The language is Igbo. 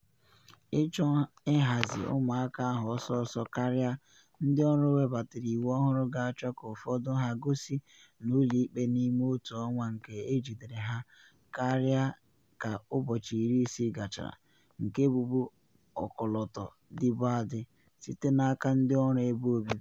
Ịchọ ịhazi ụmụaka ahụ ọsọ ọsọ karịa, ndị ọrụ webatara iwu ọhụrụ ga-achọ ka ụfọdụ ha gosi n’ụlọ ikpe n’ime otu ọnwa nke ejidere ha, karịa ka ụbọchị 60 gachara, nke bubu ọkọlọtọ dịbu adị, site n’aka ndị ọrụ ebe obibi.